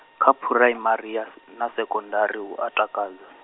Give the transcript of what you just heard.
kha phuraimari ya, na sekondari hu a takadza.